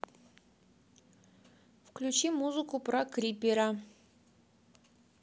включи музыку про криппера